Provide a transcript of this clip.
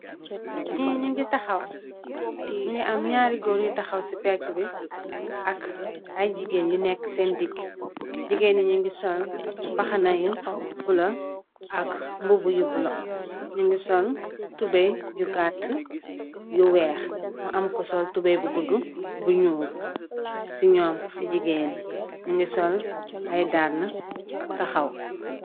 Fi nyungi takhaw am nyarri goor yu takhaw si pegubi ak aye jigeen yu nekhu sen diguh jigeen yi nyunge sul mbakhana yu bulah ak mbobu yu bulah nyungi sul tubeye yu gattuh bu wekh mu am ku sul tubeye bu guduh bu nyul si nyum si jigeen nyungi sul aye dalah takhaw